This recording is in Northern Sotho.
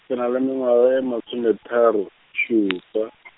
ke na le mengwaga e masometharo, šupa .